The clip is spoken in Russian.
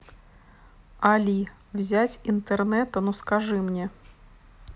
али взять интернета ну скажи мне